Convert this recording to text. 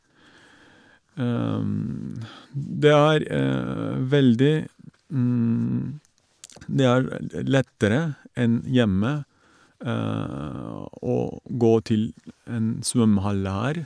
det er veldig Det er veld lettere enn hjemme å gå til en svømmehall her.